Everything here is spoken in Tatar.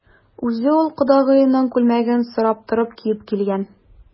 Үзе ул кодагыеның күлмәген сорап торып киеп килгән.